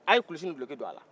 a ye kulusi ni guloki don ala